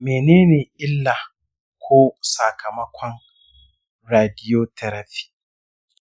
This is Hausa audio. menene illa ko sakamakon radiotherapy?